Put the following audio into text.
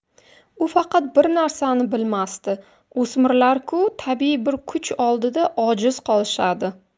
u faqat bir narsani bilmasdi o'smirlar ku tabiiy bir kuch oldida ojiz qolishadi